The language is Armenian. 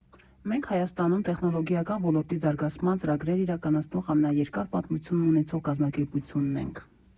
«Մենք Հայաստանում տեխնոլոգիական ոլորտի զարգացման ծրագրեր իրականացնող ամենաերկար պատմությունն ունեցող կազմակերպությունն ենք։